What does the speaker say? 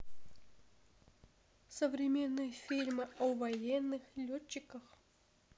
современные фильмы о военных летчиках